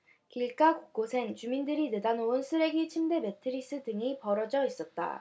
길가 곳곳엔 주민들이 내다 놓은 쓰레기 침대 매트리스 등이 버려져 있었다